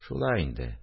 – шулай инде